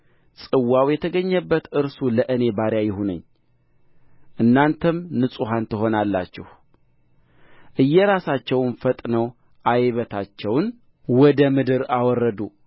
ጽዋው የተገኘበት እርሱ ለእኔ ባሪያ ይሁነኝ እናንተም ንጹሐን ትሆናላችሁ እየራሳቸውም ፈጥነው ዓይበታቸውን ወደ ምድር አወረዱ